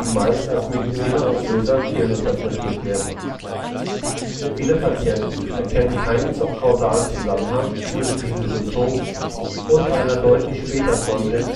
meist als Migräneauslöser fehlinterpretiert wird. Viele Patienten erkennen keinen kausalen Zusammenhang zwischen diesen Symptomen und einer deutlich später folgenden